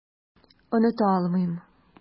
Оныта алмыйм.